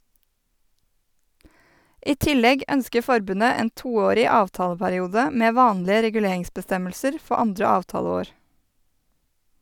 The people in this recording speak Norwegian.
I tillegg ønsker forbundet en toårig avtaleperiode med vanlige reguleringsbestemmelser for andre avtaleår.